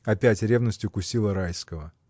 Опять ревность укусила Райского.